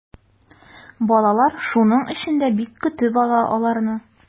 Балалар шуның өчен дә бик көтеп ала аларны.